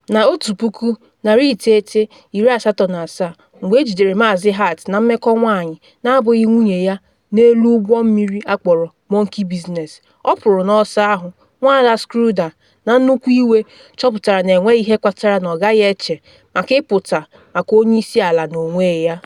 Na 1987, mgbe ejidere Maazị Hart na mmekọ nwanyị na abụghị nwunye ya n’elu ụgbọ mmiri akpọrọ Monkey Business, ọ pụrụ n’ọsọ ahụ, Nwada Schroeder, na nnukwu iwe, chọpụtara na enweghị ihe kpatara na ọ gaghị eche maka ịpụta maka onye isi ala n’onwe ya.